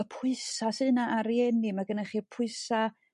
y pwysa' sy' na ar rieni ma' gynych chi y pwysa'